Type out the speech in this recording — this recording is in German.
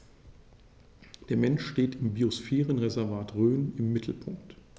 Der Mensch steht im Biosphärenreservat Rhön im Mittelpunkt.